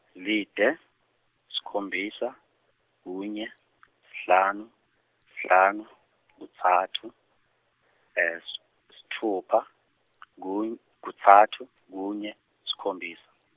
lite, sikhombisa, kunye, sihlanu, sihlanu, kutsatfu, s- sithupha , kun- kutsatfu, kunye sikhombisa.